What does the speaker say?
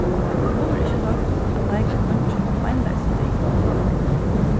tó er ikki loyvt at leika kongin beinleiðis í deyða